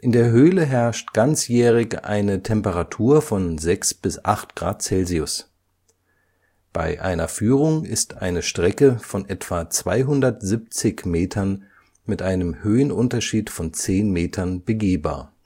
der Höhle herrscht ganzjährig eine Temperatur von sechs bis acht Grad Celsius. Bei einer Führung ist eine Strecke von etwa 270 Metern mit einem Höhenunterschied von 10 Metern begehbar